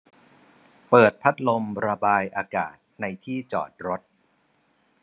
เปิดพัดลมระบายอากาศในที่จอดรถ